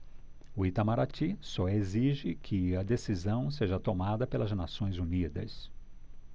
o itamaraty só exige que a decisão seja tomada pelas nações unidas